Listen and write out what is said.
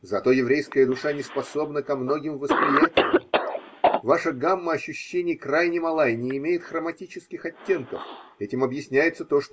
Зато еврейская душа неспособна ко многим восприятиям, ваша гамма ощущений крайне мала и не имеет хроматических оттенков: этим объясняется то.